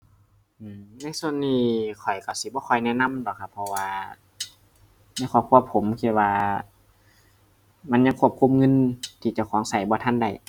ในส่วนนี้ข้อยก็สิบ่ค่อยแนะนำดอกครับ เพราะว่าในครอบครัวผมคิดว่ามันยังควบคุมเงินที่เจ้าของก็บ่ทันได้